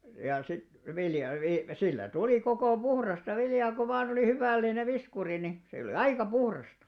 ja sitten vilja - sillä tuli koko puhdasta viljaa kun vain oli hyvällinen viskuri niin se oli aika puhdasta